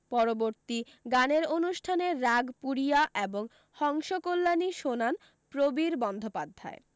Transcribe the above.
পরবর্তী গানের অনুষ্ঠানে রাগ পুরিয়া এবং হংসকল্যাণী শোনান প্রবীর বন্দ্যোপাধ্যায়